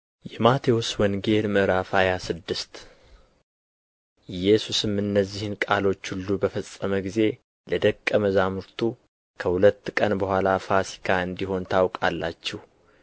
﻿የማቴዎስ ወንጌል ምዕራፍ ሃያ ስድስት ኢየሱስም እነዚህን ቃሎች ሁሉ በፈጸመ ጊዜ ለደቀ መዛሙርቱ ከሁለት ቀን በኋላ ፋሲካ እንዲሆን ታውቃላችሁ